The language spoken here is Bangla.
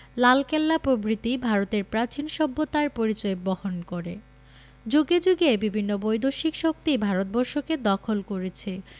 লালকেল্লা প্রভৃতি ভারতের প্রাচীন সভ্যতার পরিচয় বহন করে যুগে যুগে বিভিন্ন বৈদেশিক শক্তি ভারতবর্ষকে দখল করেছে